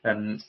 yym